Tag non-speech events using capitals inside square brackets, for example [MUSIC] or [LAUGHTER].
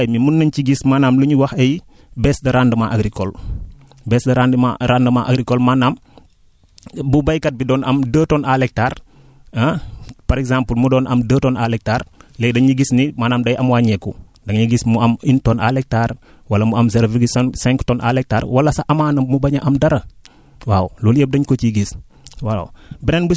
ci wàllu mbay mi mun nañ ci gis maanaam lu ñuy wax ay baisse de rendement agricole baisse de rendement rendement agricole maanaam [SMACKS LIPS] bu baykat bi doon am deux tonnes à l' hectare ah par exemple mu doon am deux tonnes à l' hectare léegi dañuy gis ni maanaam day am wàññeeku da ngay gis mu am une tonne à l' hectare wala mu am zero virgule cin cinq tonnes à l' hectare wala sax amaana mu bañ a am dara waaw loolu yépp dañ ko ciy gis [SMACKS LIPS] waaw